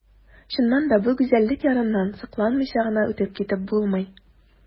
Чыннан да бу гүзәллек яныннан сокланмыйча гына үтеп китеп булмый.